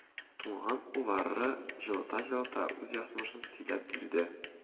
Туңган кулларын җылыта-җылыта үз язмышын сөйләп бирде